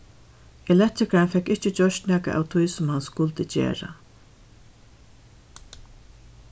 elektrikarin fekk ikki gjørt nakað av tí sum hann skuldi gera